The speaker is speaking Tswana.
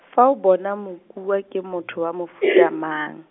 fa o bona Mokua ke motho wa mofuta mang?